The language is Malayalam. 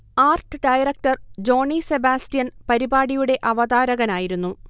ആർട്ട് ഡയറക്ടർ ജോണി സെബാസ്റ്റ്യൻ പരിപാടിയുടെ അവതാരകനായിരുന്നു